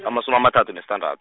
amasumi amathathu nesithandath-.